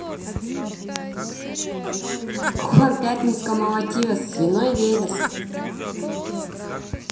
хор пятницкого молотила свиной велес